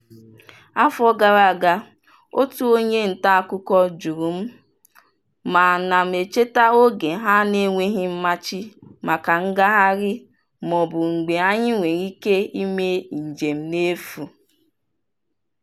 Afọ gara aga, otu onye ntaakụkọ jụrụ m ma ana m echeta oge ha n'enweghị mmachi maka ngagharị maọbụ mgbe anyị nwere ike ime njem n'efu.